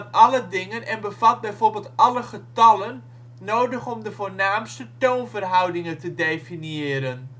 alle dingen en bevat bijvoorbeeld alle getallen nodig om de voornaamste toonverhoudingen te definiëren